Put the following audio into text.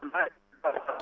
man maa ngi dëkk Daarou Salaam